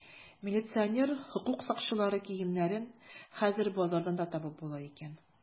Милиционер, хокук сакчылары киемнәрен хәзер базардан да табып була икән.